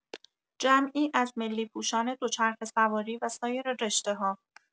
جمعی از ملی‌پوشان دوچرخه‌سواری و سایر رشته‌ها